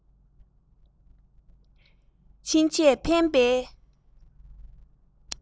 ཕྱིན ཆད ཕན པའི